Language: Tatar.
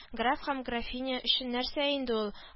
Граф һәм графиня өчен нәрсә инде ул